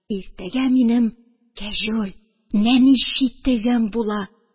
Иртәгә минем кәҗүл, нәни читегем була